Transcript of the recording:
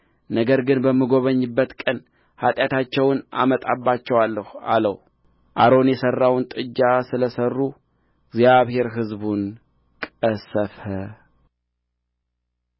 ነገር ግን በምጐበኝበት ቀን ኃጢአታቸውን አመጣባቸዋለሁ አለው አሮን የሠራውን ጥጃ ስለ ሠሩ እግዚአብሔር ሕዝቡን ቀሠፈ